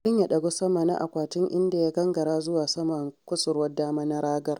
Ƙoƙarin ya ɗagu sama da akwatin inda ya gangara zuwa saman kusurwar dama na ragar.